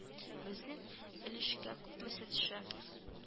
-безнең өлешкә күпмесе төшә